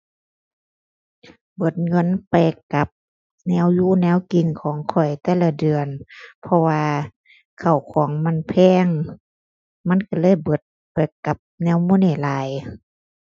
เบิดเงินไปกับแนวอยู่แนวกินของข้อยแต่ละเดือน เพราะว่าข้าวของมันแพง มันก็เลยเบิด เบิดกับแนวหมู่นี้หลาย